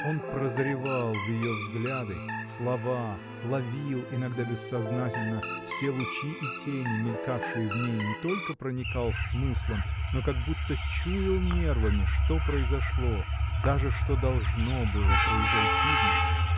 Он прозревал в ее взгляды, слова, ловил, иногда бессознательно, все лучи и тени, мелькавшие в ней, не только проникал смыслом, но как будто чуял нервами, что произошло, даже что должно было произойти в ней.